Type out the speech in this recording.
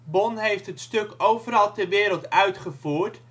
Bon heeft het stuk overal ter wereld uitgevoerd